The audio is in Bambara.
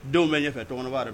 Dɔw bɛ ɲɛfɛ fɛ b'a la